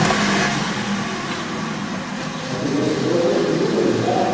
а ты значит головой не думаешь да